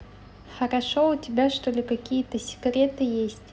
хорошо у тебя что ли какие то секреты есть